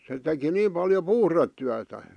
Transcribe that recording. se teki niin paljon puhdetyötä